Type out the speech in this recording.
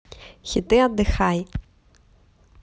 хиты отдыхай